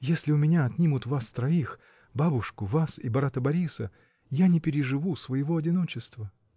Если у меня отнимут вас троих: бабушку, вас и брата Бориса, — я не переживу своего одиночества.